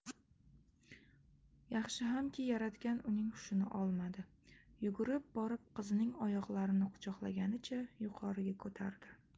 yaxshi hamki yaratgan uning hushini olmadi yugurib borib qizining oyoqlarini quchoqlaganicha yuqoriga ko'tardi